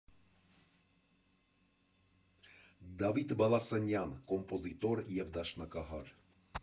Դավիթ Բալասանյան, կոմպոզիտոր և դաշնակահար։